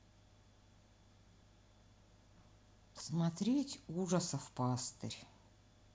смотреть ужасов пастырь